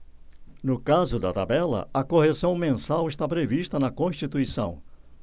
no caso da tabela a correção mensal está prevista na constituição